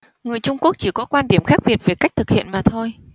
người trung quốc chỉ có quan điểm khác biệt về cách thực hiện mà thôi